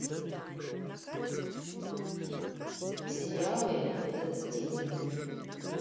сериалы детективные